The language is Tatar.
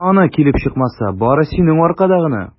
Кара аны, килеп чыкмаса, бары синең аркада гына!